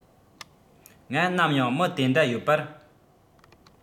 ང ནམ ཡང མི དེ འདྲ ཡོད པར